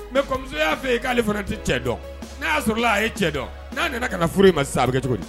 Mɛ famuso y'a fɛ yen e k'ale fana tɛ cɛ dɔn n'a y'a sɔrɔla a ye cɛ dɔn n'a nana ka furu in ma sa kɛ cogo di